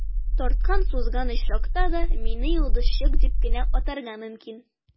Тарткан-сузган очракта да, мине «йолдызчык» дип кенә атарга мөмкин.